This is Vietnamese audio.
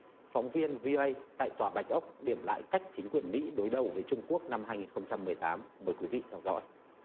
phóng viên vi ây tại tòa bạch ốc điểm lại cách chính quyền mỹ đối đầu với trung quốc năm hai nghìn không trăm mười tám mời quý vị theo dõi